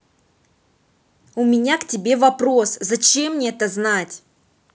у меня к тебе вопрос зачем мне это знать